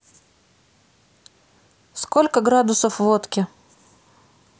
сколько градусов в водке